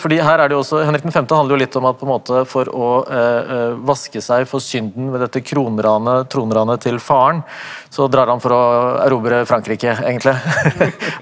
fordi her er det jo også Henrik den femte handler jo litt om at på en måte for å vaske seg for synden ved dette kronranet tronranet til faren så drar han for å erobre Frankrike egentlig .